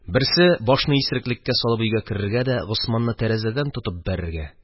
Берсе – башны исереклеккә салып өйгә керергә дә Госманны тәрәзәдән тотып бәрергә.